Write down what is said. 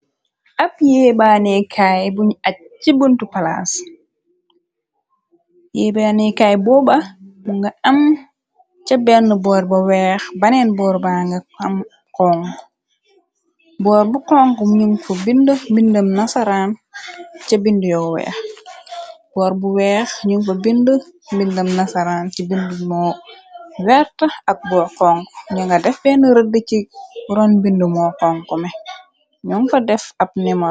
Ab yee banekaay buñj aj ci buntu palaas yee bannekaay booba mu nga am sa benn na boor bu weex baneen boor baga am khonkho borbu khonkho nyung fo bindi mbindëm nasaraan sa bindi yo ya boor bu weex ñyung fa bindi mbindëm nasaran ci bind moo weerta ak boo khonkho ñyu nga def bena rëhdi ci ron bindi moo khonkho me ñoom fa def ab nemo.